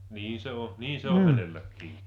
niin se on niin se on hänelläkin